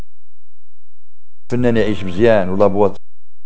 انا نعيش مزيان